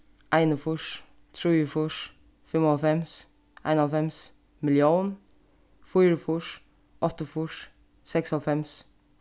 einogfýrs trýogfýrs fimmoghálvfems einoghálvfems millión fýraogfýrs áttaogfýrs seksoghálvfems